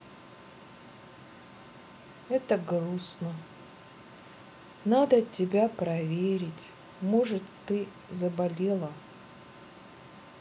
это грустно надо тебя проверить может ты заболела